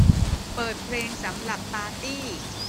เปิดเพลงสำหรับปาร์ตี้